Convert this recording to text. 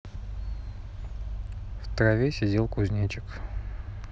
в траве сидел кузнечик